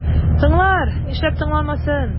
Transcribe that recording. Тыңлар, нишләп тыңламасын?